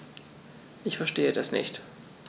Ich verstehe das nicht.